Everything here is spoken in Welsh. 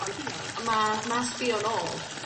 Ond... Diolch. ...on' ma' ma' sbio nôl